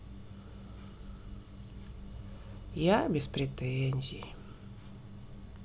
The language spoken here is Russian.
я без претензий